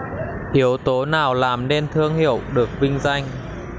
yếu tố nào làm nên thương hiệu được vinh danh